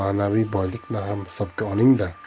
manaviy boylikni ham hisobga oling da